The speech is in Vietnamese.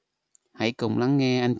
hãy cùng lắng nghe